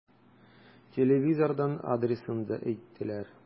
Телевизордан адресын да әйттеләр.